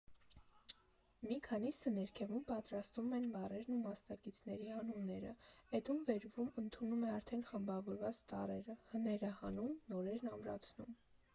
Մի քանիսը ներքևում պատրաստում են բառերն ու մասնակիցների անունները, Էդոն վերևում ընդունում է արդեն խմբավորված տառերը, հները հանում, նորերն ամրացնում։